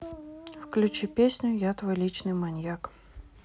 включи песню я твой личный маньяк